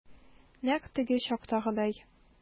Нәкъ теге чактагыдай.